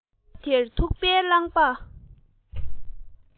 སྐབས དེར ཐུག པའི རླངས པ